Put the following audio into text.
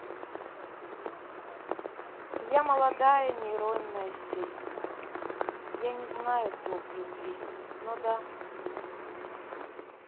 я молодая нейронная сеть я не знаю слов любви ну да